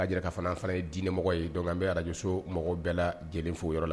A'a jira ka fana fana ye diinɛmɔgɔ ye dɔn bɛ arajso mɔgɔ bɛɛ la lajɛlen fo yɔrɔ la